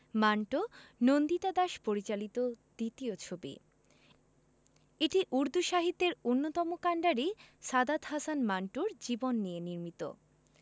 মান্টো নন্দিতা দাস পরিচালিত দ্বিতীয় ছবি এটি উর্দু সাহিত্যের অন্যতম কান্ডারি সাদাত হাসান মান্টোর জীবন নিয়ে নির্মিত